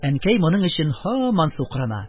Әнкәй моның өчен һаман сукрана: